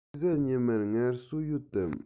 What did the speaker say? རེས གཟའ ཉི མར ངལ གསོ ཡོད དམ